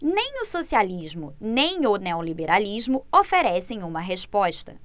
nem o socialismo nem o neoliberalismo oferecem uma resposta